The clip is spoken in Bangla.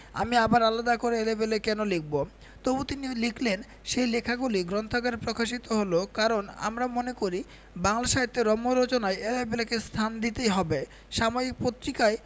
আমি আবার আলাদা করে এলেবেলে কেন লিখব তবু তিনি লিখলেন সেই লেখাগুলি গ্রন্থাকারে প্রকাশিত হল কারণ আমরা মনে করি বাংলা সাহিত্যের রম্য রচনায় এলেবেলে' কে স্থান দিতেই হবে সাময়িক পত্রিকায়